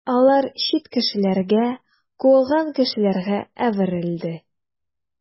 Алар чит кешеләргә, куылган кешеләргә әверелде.